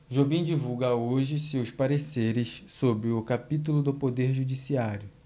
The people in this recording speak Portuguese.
jobim divulga hoje seus pareceres sobre o capítulo do poder judiciário